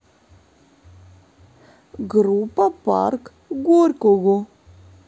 группа парк горького